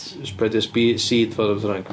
Spreadio sp- seed fo bobman.